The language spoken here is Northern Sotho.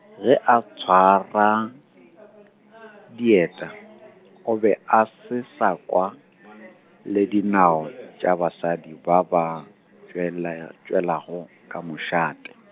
ge a tshwara, dieta, o be a se sa kwa , le dinao tša basadi ba ba, tšwe laya, tšwelago ka mošate.